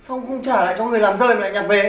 sao ông không trả cho người làm rơi mà lại nhặt về